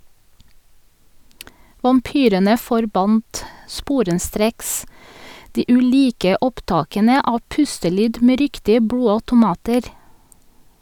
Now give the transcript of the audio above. Vampyrene forbant sporenstreks de ulike opptakene av pustelyd med riktige blodautomater.